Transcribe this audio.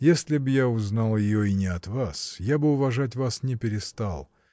— Если б я узнал ее и не от вас, я бы уважать вас не перестал.